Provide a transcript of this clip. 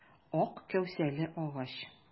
Ак кәүсәле агач.